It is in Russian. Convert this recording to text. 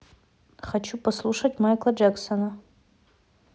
хочу послушать майкла джексона